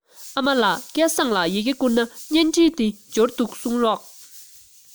ཨ མ ལགས སྐལ བཟང ལ ཡི གེ བསྐུར ན བརྙན འཕྲིན དེ འབྱོར འདུག གསུངས རོགས